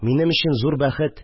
Минем өчен зур бәхет